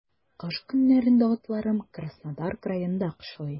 Кыш көннәрендә атларым Краснодар краенда кышлый.